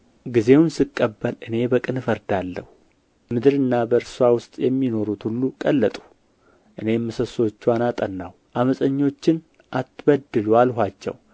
ጊዜውን ስቀበል እኔ በቅን እፈርዳለሁ ምድርና በእርስዋ ውስጥ የሚኖሩት ሁሉ ቀለጡ እኔም ምሰሶችዋን አጠናሁ ዓመፀኞችን አትበድሉ አልኋቸው